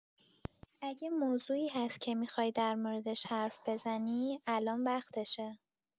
اگه موضوعی هست که می‌خوای در موردش حرف بزنی، الان وقتشه!